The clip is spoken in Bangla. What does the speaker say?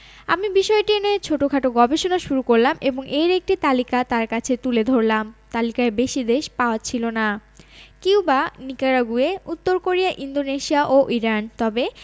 আমি বিষয়টি নিয়ে ছোটখাটো গবেষণা শুরু করলাম এবং এর একটি তালিকা তাঁর কাছে তুলে ধরলাম তালিকায় বেশি দেশ পাওয়া ছিল না কিউবা নিকারাগুয়ে উত্তর কোরিয়া ইন্দোনেশিয়া ও ইরান তবে